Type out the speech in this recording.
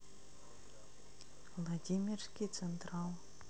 владимирский централ